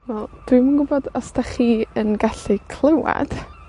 Wel, dwi'm yn gwbod os 'dach chi yn gallu clywad,